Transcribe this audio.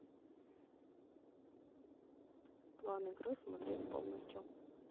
план игры смотреть полностью